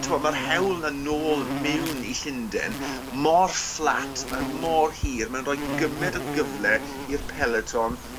t'mo ma'r hewl 'na nôl mewn i Llunden mor fflat mae mor hir mae'n rhoi gyment o gyfle i'r peloton